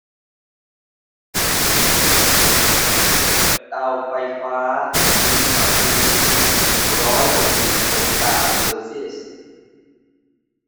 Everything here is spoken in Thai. เปิดเตาไฟฟ้าอุณหภูมิหนึ่งร้อยหกสิบองศาเซลเซียส